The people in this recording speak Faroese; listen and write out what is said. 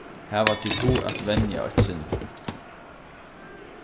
hava tit hug at venja eitt sindur